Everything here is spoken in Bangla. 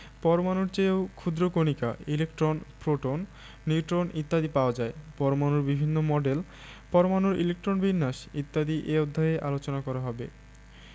পরমাণুর চেয়েও ক্ষুদ্র কণিকা ইলেকট্রন প্রোটন নিউট্রন ইত্যাদি পাওয়া যায় পরমাণুর বিভিন্ন মডেল পরমাণুর ইলেকট্রন বিন্যাস ইত্যাদি এ অধ্যায়ে আলোচনা করা হবে